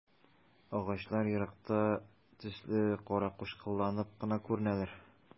Агачлар еракта төсле каракучкылланып кына күренәләр.